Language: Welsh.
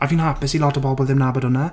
A fi'n hapus i lot o bobl ddim nabod hwnna.